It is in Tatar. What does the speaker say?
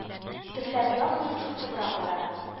Дөрләп янмый, пыскыбрак бара.